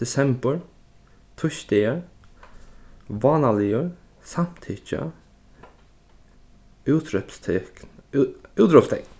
desembur týsdagar vánaligur samtykkja útrópstekn